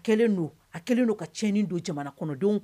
Kelen don a kɛlen don ka tiɲɛni don jamana kɔnɔdenw